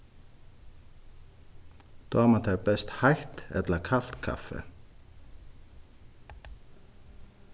dámar tær best heitt ella kalt kaffi